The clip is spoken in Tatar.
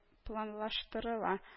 Планлаштырыла